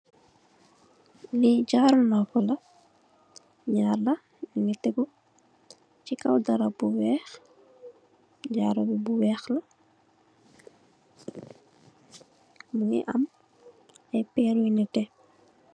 Li jaru nopuh la, ñaar la ñugi tégu ci kaw darap bu wèèx, jaru bi bu wèèx la, mugii am ay péér yu netteh.